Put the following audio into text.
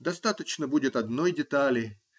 Достаточно будет одной детали.